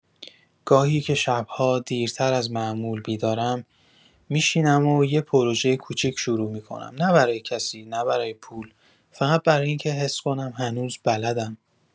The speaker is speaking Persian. گاهی که شب‌ها دیرتر از معمول بیدارم، می‌شینم و یه پروژۀ کوچیک شروع می‌کنم، نه برای کسی، نه برای پول، فقط برای اینکه حس کنم هنوز بلدم.